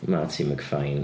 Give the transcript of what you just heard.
Marty McFine.